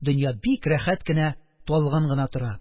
Дөнья бик рәхәт кенә, талгын гына тора,